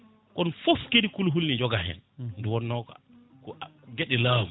kono foof kadi kulihuli ne jooga hen nde wonno ko gueɗe laamu